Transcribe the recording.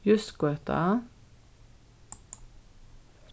jústsgøta